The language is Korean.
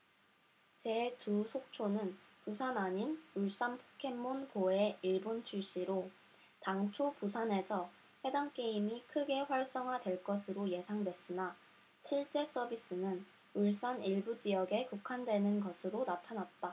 제 두 속초는 부산 아닌 울산포켓몬 고의 일본 출시로 당초 부산에서 해당 게임이 크게 활성화될 것으로 예상됐으나 실제 서비스는 울산 일부 지역에 국한되는 것으로 나타났다